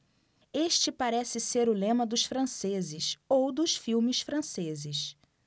este parece ser o lema dos franceses ou dos filmes franceses